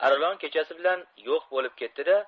arlon kechasi bilan yo'q bo'lib ketdi da